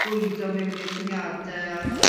bwydo mewn i'r syniade a